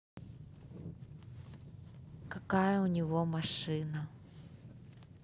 какая у него машина